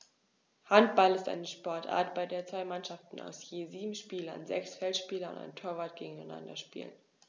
Handball ist eine Sportart, bei der zwei Mannschaften aus je sieben Spielern (sechs Feldspieler und ein Torwart) gegeneinander spielen.